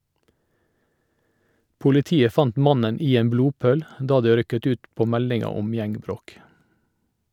Politiet fant mannen i en blodpøl da de rykket ut på meldinga om gjeng-bråk.